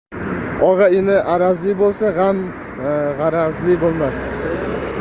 og'a ini arazli bo'lsa ham g'arazli bo'lmas